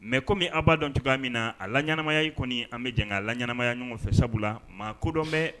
Mɛ kɔmi a b'a dɔn cogoya min na a la ɲɛnaanamaya i kɔni an bɛ jan ka la ɲɛnaanamaya ɲɔgɔn fɛ sabu la ma kodɔn bɛ